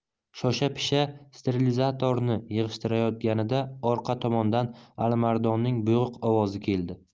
shosha pisha sterilizatorni yig'ishtirayotganida orqa tomondan alimardonning bo'g'iq ovozi keldi